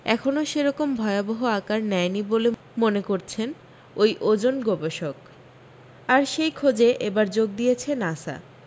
এখনও সে রকম ভয়াবহ আকার নেয়নি বলে মনে করছেন ওই ওজন গবেষক আর সেই খোঁজে এবার যোগ দিয়েছে নাসা